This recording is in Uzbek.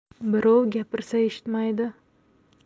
birov gapirsa eshitmaydi